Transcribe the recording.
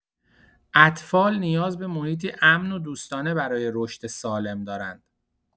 اطفال نیاز به محیطی امن و دوستانه برای رشد سالم دارند.